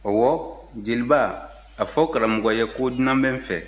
ɔwɔ jeliba a fɔ karamɔgɔ ye ko dunan bɛ n fɛ